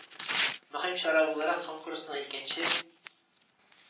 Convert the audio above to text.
Мөһим чара буларак, конкурсның икенче